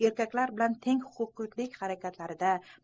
erkaklar bilan teng huquqlilik harakatlarida